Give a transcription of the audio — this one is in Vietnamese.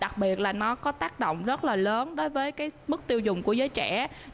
đặc biệt là nó có tác động rất là lớn đối với cái mức tiêu dùng của giới trẻ